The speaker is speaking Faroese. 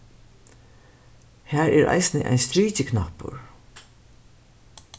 har er eisini ein strikiknappur